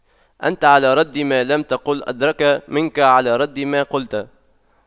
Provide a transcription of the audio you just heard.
أنت على رد ما لم تقل أقدر منك على رد ما قلت